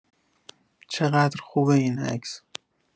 چقدر خوبه این عکس